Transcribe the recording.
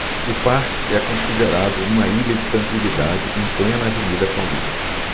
o parque é considerado uma ilha de tranquilidade em plena avenida paulista